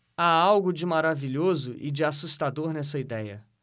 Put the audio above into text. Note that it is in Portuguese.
há algo de maravilhoso e de assustador nessa idéia